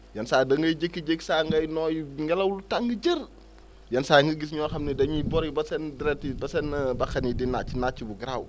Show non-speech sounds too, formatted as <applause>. yenn saa yi da ngay jékki-jékki saa ngay noyyi ngelaw lu tàng jër yenn saa yi nga gis ñoo xam ne dañuy bori ba seen dereet yi ba seen <hesitation> bakkan yi di nàcc nàcc bu garaaw